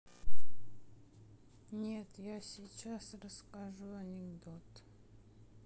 нет я сейчас расскажу анекдот